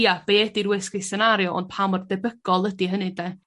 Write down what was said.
ia be' ydi'r worst case scenario ond pa mor debygol ydi hynny de?